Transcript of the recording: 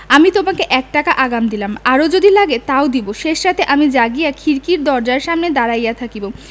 আমি তোমাকে এক টাকা আগাম দিলাম আরও যদি লাগে তাও দিব শেষ রাতে আমি জাগিয়া খিড়কির দরজার সামনে দাঁড়াইয়া থাকিব